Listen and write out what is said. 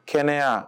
Kɛnɛya